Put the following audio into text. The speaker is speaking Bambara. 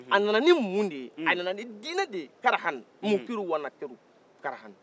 a nana nin mun de ye a nana nin dinɛ de ye taarhane mountirou wa wa narturu